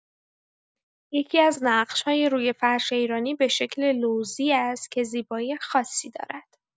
یکی‌از نقش‌های روی فرش ایرانی به شکل لوزی است که زیبایی خاصی دارد.